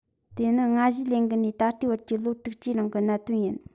དེ ནི ལྔ བཞིའི ལས འགུལ ནས ད ལྟའི བར གྱི ལོ དྲུག ཅུའི རིང གི གནད དོན ཡིན